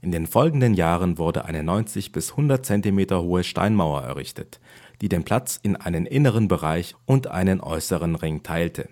In den folgenden Jahren wurde eine 90 bis 100 Zentimeter hohe Steinmauer errichtet, die den Platz in einen inneren Bereich und einen äußeren Ring teilte